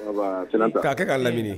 K'a kɛ k'a laminɛ